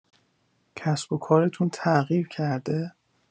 کسب و کارتون تغییر کرده؟